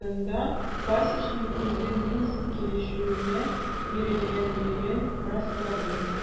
Үз чиратында Пасечник үзе Минск килешүенә бирелгәнлеген раслады.